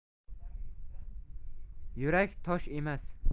yurak tosh emas